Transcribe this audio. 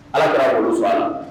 Alakira b'olu